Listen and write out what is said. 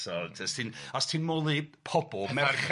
so t- os ti'n os ti'n moli pobol, merched... Y cnawd